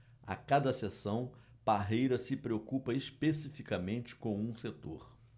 a cada sessão parreira se preocupa especificamente com um setor